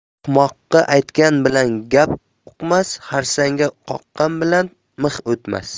ahmoqqa aytgan bilan gap uqmas xarsangga qoqqan bilan mix o'tmas